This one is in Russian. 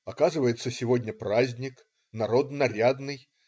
Оказывается, сегодня праздник. Народ нарядный.